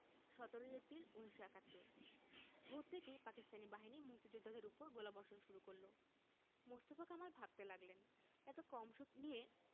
১৭ April ১৯৭১ ভোর থেকেই পাকিস্তানি বাহিনী মুক্তিযোদ্ধাদের উপর গোলাবর্ষণ শুরু করল মোস্তফা কামাল ভাবতে লাগলেন এত কম শক্তি নিয়ে